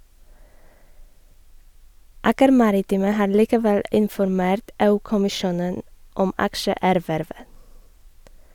Aker Maritime har likevel informert EU-kommisjonen om aksjeervervet.